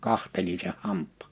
katselin sen hampaan